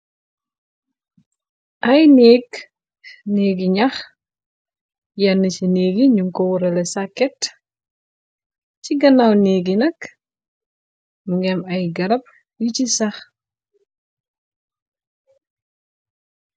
Ay néeg, néegi njax yennë si néegi nak, ñung ko wuralé sakket. Si ganaaw néegi nak, mu ngi am ay garab yu ci sax.